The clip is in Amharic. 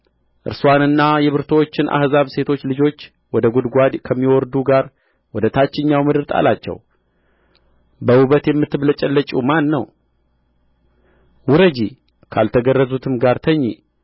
እርስዋንና የብርቱዎችን አሕዛብ ሴቶች ልጆች ወደ ጕድጓድ ከሚወርዱ ጋር ወደ ታችኛው ምድር ጣላቸው በውበት የምትበልጪው ማን ነው ውረጂ ካልተገረዙትም ጋር ተኚ